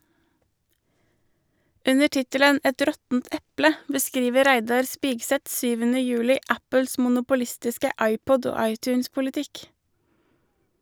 Under tittelen "Et råttent eple" beskriver Reidar Spigseth 7. juli Apples monopolistiske iPod- og iTunes-politikk.